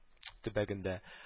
Төбәгендә